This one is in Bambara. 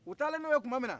u taalen n'u ye tuma min na